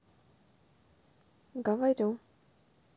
говорю